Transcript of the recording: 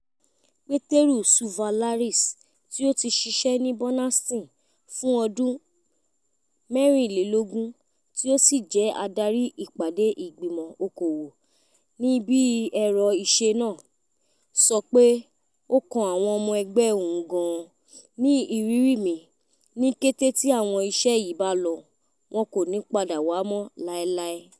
Peter Tsouvallaris, tí ó ti ṣiṣẹ́ ní Burnaston fún ọdún 24 tí ó sì jẹ́ adárí ìpàdé ìgbìmọ̀ òkòwò níibi ẹ̀rọ iṣẹ́ náà, sọ pé ó kàn àwọn ọmọ ẹgbẹ́ òun gan an: "Ní ìrírí mi, ní kété tí àwọn iṣẹ́ yìí bá lọ, wọ̀n kó ní padà wá mọ́ láeláee.